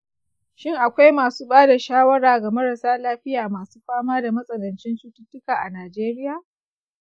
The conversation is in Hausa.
shin akwai masu ba da shawara ga marasa lafiya masu fama da matsanancin cututtuka a najeriya?